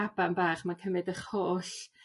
baban bach mae'n cymyd 'ych holl